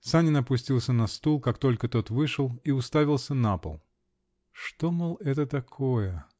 Санин опустился на стул, как только тот вышел, и уставился в пол. "Что, мол, это такое?